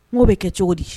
Mɔgɔ bɛ kɛ cogo di